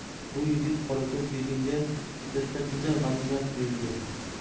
bu yigit qorako'z begimga to'satdan juda g'animat tuyuldi